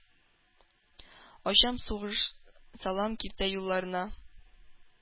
Ачам сугыш, салам киртә юлларыңа!»